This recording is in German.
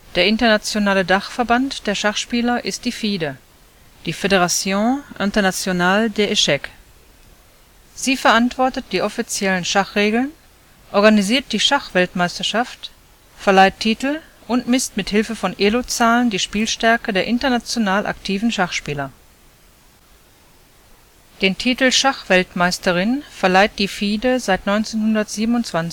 Der internationale Dachverband der Schachspieler ist die FIDE (Fédération Internationale des Échecs). Sie verantwortet die offiziellen Schachregeln, organisiert die Schachweltmeisterschaft, verleiht Titel und misst mit Hilfe von Elo-Zahlen die Spielstärke der international aktiven Schachspieler. Den Titel Schachweltmeisterin verleiht die FIDE seit 1927